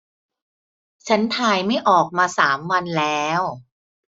ฉันถ่ายไม่ออกมาสามวันแล้ว